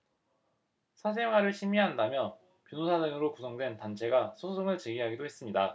사생활을 침해한다며 변호사 등으로 구성된 단체가 소송을 제기하기로 했습니다